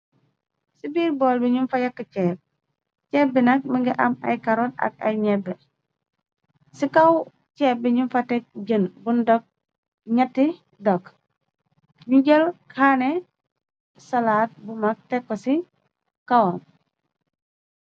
Si biir bool bi ñu fa yakk cheeb, cheép bi nak mingi am ay karot, ak ay nyebbe, ci kaw cheép bi ñu fa tek jën buñ dog ñyatt dogg, ñu jël kaane salaat bu mag tekko ci kawam.